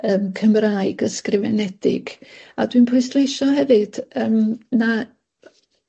yym Cymraeg ysgrifenedig a dwi'n pwysleisio hefyd yym na- yy